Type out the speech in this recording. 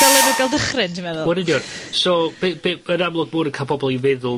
...dylen nw ga'l dychryn ti'n meddwl? Wel yn union, so be' be' ma'n amlwg bod yn ca'l bobol i feddwl